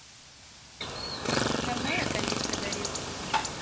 давно я колечко дарил